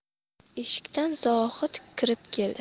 eshikdan zohid kirib keldi